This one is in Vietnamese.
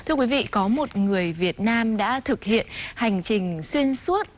thưa quý vị có một người việt nam đã thực hiện hành trình xuyên suốt